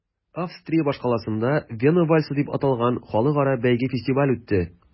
Австрия башкаласында “Вена вальсы” дип аталган халыкара бәйге-фестиваль үтте.